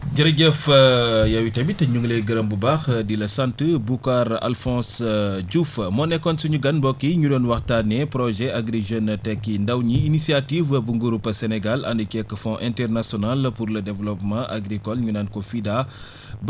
jërëjëf yow tamit ñu ngi lay gërëm bu baax di la sant Boucar Alphonse Diouf moo nekkoon suñu gan mbokk yi ñu doon waxtaanee projet Agri Jeunes tekki ndaw ñi initiative bu nguurub Sénégal ànd ceeg fond international pour le développement agricole ñu naan ko FIDA